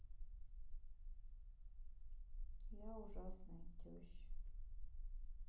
я ужасная теща